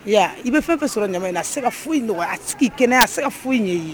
I bɛ fɛn bɛ sɔrɔ ɲama na se ka foyi in a kɛnɛ a se ka foyi ye ye